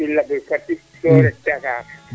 mbind labe Fatick soo ret Dakar